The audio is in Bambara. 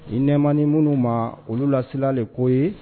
I nɛɛmane minnu maa olu la sila le ko ye